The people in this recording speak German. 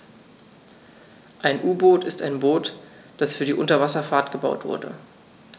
Ein U-Boot ist ein Boot, das für die Unterwasserfahrt gebaut wurde.